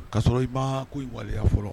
Kasɔrɔ i maa ko in waleya fɔlɔ